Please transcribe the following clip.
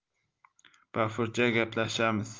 bafurja gaplashamiz